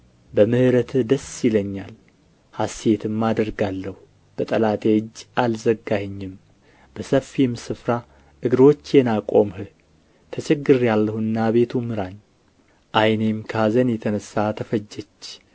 በምሕረትህ ደስ ይለኛል ሐሤትም አደርጋለሁ በጠላቴ እጅ አልዘጋኸኝም በሰፊም ስፍራ እግሮቼን አቆምህ ተቸግሬአለሁና አቤቱ ምራኝ ዓይኔም ከኃዘን የተነሣ ተፈጀች